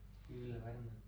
kyllä varmaan